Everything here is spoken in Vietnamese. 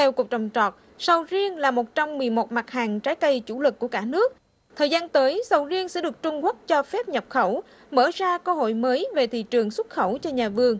theo cục trồng trọt sầu riêng là một trong mười một mặt hàng trái cây chủ lực của cả nước thời gian tới sầu riêng sẽ được trung quốc cho phép nhập khẩu mở ra cơ hội mới về thị trường xuất khẩu cho nhà vườn